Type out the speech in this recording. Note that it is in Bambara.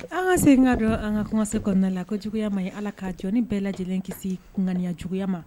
An sen ka dɔn an ka kanse kɔnɔna la ko juguya ma ala k ka jɔni bɛɛ lajɛlen kisi ŋganiya juguya ma